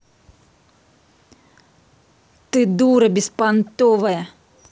ты дура беспонтовая